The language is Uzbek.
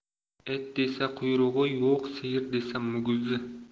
it desa quyrug'i yo'q sigir desa muguzi